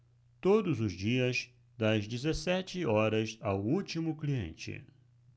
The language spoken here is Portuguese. todos os dias das dezessete horas ao último cliente